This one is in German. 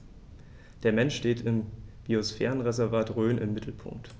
Der Mensch steht im Biosphärenreservat Rhön im Mittelpunkt.